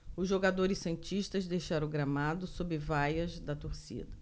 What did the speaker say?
os jogadores santistas deixaram o gramado sob vaias da torcida